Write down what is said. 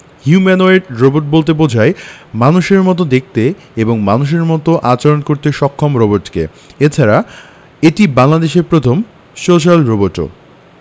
humanoid robot বলতে বোঝায় মানুষের মতো দেখতে এবং মানুষের মতো আচরণ করতে সক্ষম রোবটকে এছাড়া এটি বাংলাদেশের প্রথম সোশ্যাল রোবটও